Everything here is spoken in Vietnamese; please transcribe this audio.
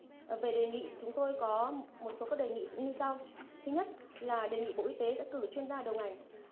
ờ về đề nghị chúng tôi có một số các đề nghị như sau thứ nhất là đề nghị bộ y tế sẽ cử chuyên gia đầu ngành